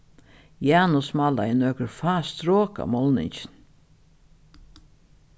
janus málaði nøkur fá strok á málningin